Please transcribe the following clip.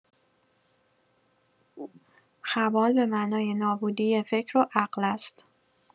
«خبال» به معنای نابودی فکر و عقل است.